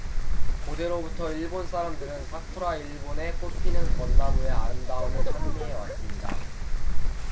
고대로부터 일본 사람들은 사쿠라 일본의 꽃피는 벚나무 의 아름다움을 찬미해 왔습니다